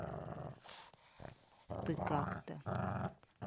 ты как то